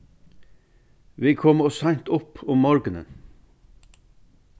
vit koma ov seint upp um morgunin